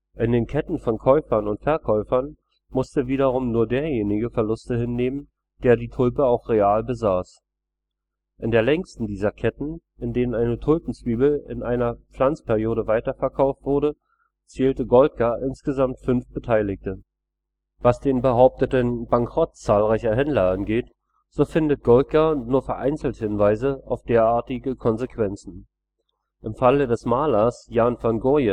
In den Ketten von Käufern und Verkäufern musste wiederum nur derjenige Verluste hinnehmen, der die Tulpe auch real besaß. In der längsten dieser Ketten, in denen eine Tulpenzwiebel in einer Pflanzperiode weiterverkauft wurde, zählt Goldgar insgesamt fünf Beteiligte. Was den behaupteten Bankrott zahlreicher Händler angeht, so findet Goldgar nur vereinzelt Hinweise auf derartige Konsequenzen. Im Falle des Malers Jan van Goyen